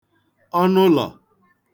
ọnụlọ̀